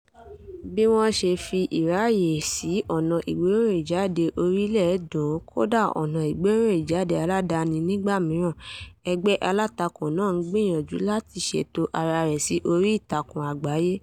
Bí wọ́n ṣe ti fi ìráàyèsí ọ̀nà ìgbéròyìnjáde orílẹ̀ dùn ún, kódà ọ̀nà ìgbéròyìnjáde aládàáni nígbà mìíràn, ẹgbẹ́ alátakò náà ń gbìyànjú láti ṣètò ara rẹ̀ sí oríìtakùn àgbáyé.